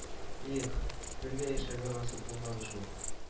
Их, бергә яшәргә насыйп булмады шул